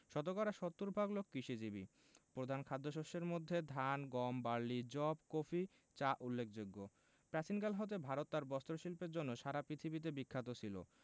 শতকরা ৭০ ভাগ লোক কৃষিজীবী প্রধান খাদ্যশস্যের মধ্যে ধান গম বার্লি যব কফি চা উল্লেখযোগ্যপ্রাচীনকাল হতে ভারত তার বস্ত্রশিল্পের জন্য সারা পৃথিবীতে বিখ্যাত ছিল